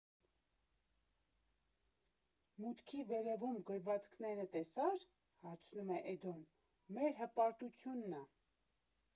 ֊ Մուտքի վերևում գրվածքները տեսա՞ր, ֊ հարցնում է Էդոն, ֊ մեր հպարտությունն ա։